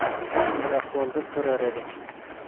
ahvolda turar edi